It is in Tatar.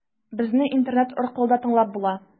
Безне интернет аркылы да тыңлап була.